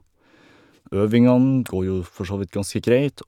Øvingene går jo forsåvidt ganske greit.